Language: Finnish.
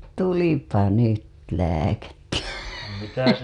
tulipa nyt lääkettä